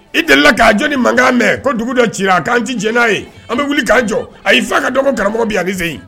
I delila k'a jɔn ni mankan mɛn ko dugu dɔ ci a k'an ti cɛ n'a ye an bɛ wuli k'an jɔ a y'i fa ka dɔgɔ karamɔgɔ bɛ anize